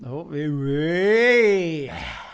O, w, wei.